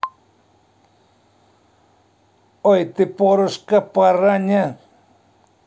ой ты полюшка параня